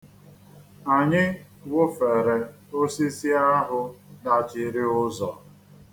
Anyị wụfere osisi ahụ dachiri ụzọ.